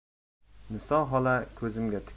niso xola ko'zimga tikilib